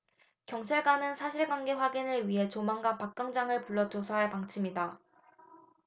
경찰은 사실관계 확인을 위해 조만간 박 경장을 불러 조사할 방침이다